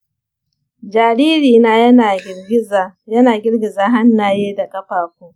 jaririna yana girgiza hannaye da ƙafafu.